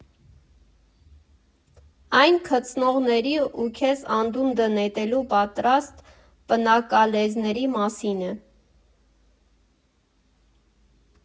Այն քծնողների ու քեզ անդունդը նետելու պատրաստ պնակալեզների մասին է։